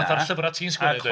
Fel y llyfrau ti'n sgwennu 'lly?